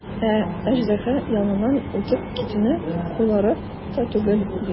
Ә аждаһа яныннан үтеп китүне уйларлык та түгел, ди.